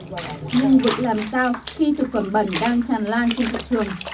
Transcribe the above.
nhưng vực làm sao khi thực phẩm bẩn đang tràn lan trên thị trường